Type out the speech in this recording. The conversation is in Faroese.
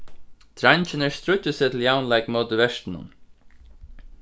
dreingirnir stríddu seg til javnleik móti vertunum